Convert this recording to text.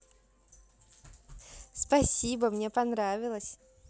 спасибо мне понравилось